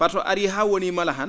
par ce arii haa wonii mala han